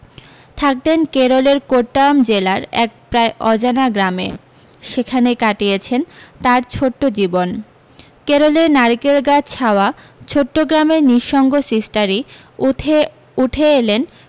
থাকতেন কেরলের কোট্টায়াম জেলার এক প্রায় অজানা গ্রামে সেখানেই কাটিয়েছেন তাঁর ছোট্ট জীবন কেরলের নারকেলগাছ ছাওয়া ছোট্ট গ্রামের নিসঙ্গ সিস্টারই উঠে উঠে এলেন